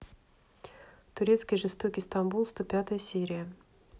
турецкий жестокий стамбул сто пятая серия